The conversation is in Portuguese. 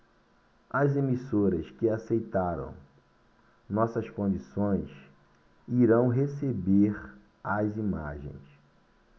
as emissoras que aceitaram nossas condições irão receber as imagens